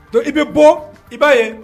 Donc i bɛ bɔ i ba ye